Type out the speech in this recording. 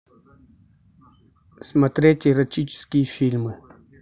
смотреть эротические фильмы